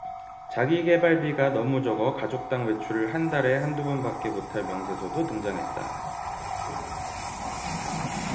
자기계발비가 너무 적어 가족당 외출을 한 달에 한 두 번밖에 못할 명세서도 등장했다